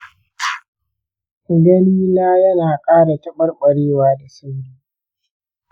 ganin na yana ƙara taɓarɓarewa da sauri.